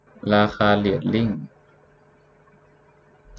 ราคาเหรียญลิ้ง